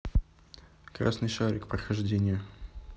красный шарик прохождение